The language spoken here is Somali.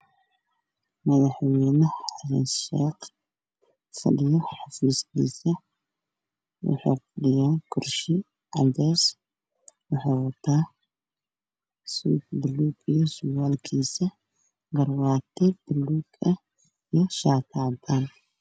Meeshaan waxaa fadhiyo mdaxweye xasan sheeq